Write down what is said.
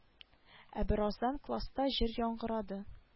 Ә бераздан класста җыр яңгырады